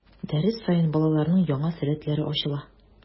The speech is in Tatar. Дәрес саен балаларның яңа сәләтләре ачыла.